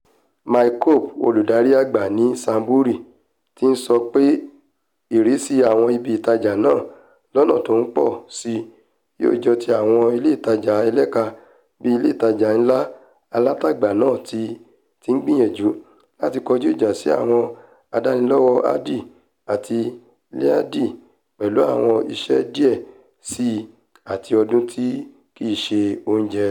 Mike Coupe, olùdarí àgbà ni Sainsbury's, ti sọ pé ìrísí àwọn ibi ìtajà náà lọna tó ńpọ̀ síi yóò jọ ti àwọn ilé ìtajà ẹlẹ́ka bí ilé ìtajà ńlá alátagbà náà ti ngbiyanju láti kọjú ìjà̀ sí àwọn adínnilówó Aldi àti Lidl pẹ̀lú àwọn iṣẹ́ díẹ̀ síi àti ohun tí kìí ṣe oúnjẹ.